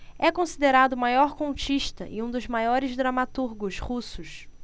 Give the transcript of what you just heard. é considerado o maior contista e um dos maiores dramaturgos russos